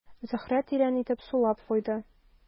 Зөһрә тирән итеп сулап куйды.